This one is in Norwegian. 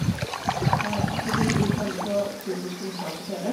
og Så vi lurte veldig på hvor vi skulle dra på ferie.